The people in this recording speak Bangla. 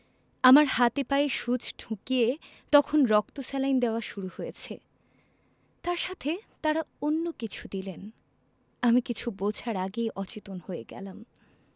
আমার হাতে পায়ে সুচ ঢুকিয়ে তখন রক্ত স্যালাইন দেওয়া শুরু হয়েছে তার সাথে তারা অন্য কিছু দিলেন আমি কিছু বোঝার আগে অচেতন হয়ে গেলাম